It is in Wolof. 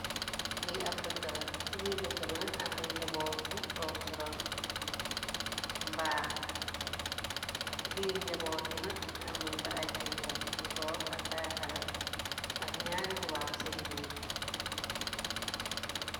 Lii ab dëkkala ci biir dëkka bi nak am naa njaboot gi tork ci roon mbaar ci biir njaboot gi nakk am nanj fa ay kilifa yu tork ak ay xeleh ak nyaari tubaab seen biir.